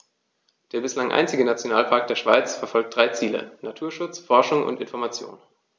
Der bislang einzige Nationalpark der Schweiz verfolgt drei Ziele: Naturschutz, Forschung und Information.